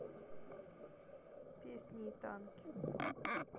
песни и танки